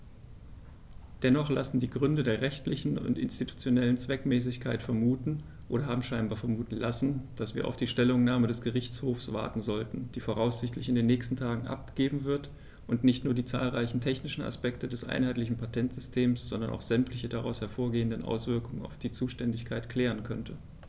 Dennoch lassen die Gründe der rechtlichen und institutionellen Zweckmäßigkeit vermuten, oder haben scheinbar vermuten lassen, dass wir auf die Stellungnahme des Gerichtshofs warten sollten, die voraussichtlich in den nächsten Tagen abgegeben wird und nicht nur die zahlreichen technischen Aspekte des einheitlichen Patentsystems, sondern auch sämtliche daraus hervorgehenden Auswirkungen auf die Zuständigkeit klären könnte.